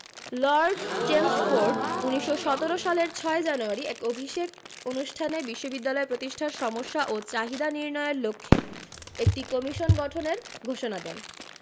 Lord Chelmsford ১৯১৭ সালের ৬ January এক অভিষেক অনুষ্ঠানে বিশ্ববিদ্যালয় প্রতিষ্ঠার সমস্যা ও চাহিদা নির্ণয়ের লক্ষ্যে একটি কমিশন গঠনের ঘোষণা দেন